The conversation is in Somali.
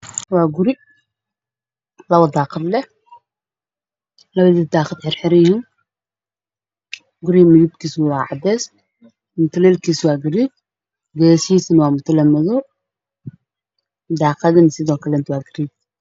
Waa guri labo daaqad leh labadii daaqad xir xiran yihiin guriga midabkiisa waa cadays guriga mutuleedkiisa waa garay geesihiisa waa mutuleed madow daaqadane sidoo kale waa garay.